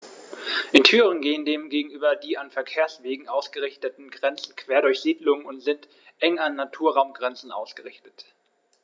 In Thüringen gehen dem gegenüber die an Verkehrswegen ausgerichteten Grenzen quer durch Siedlungen und sind eng an Naturraumgrenzen ausgerichtet.